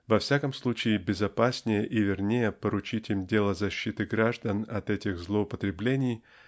во всяком случае безопаснее и вернее поручить им дело защиты граждан от этих злоупотреблений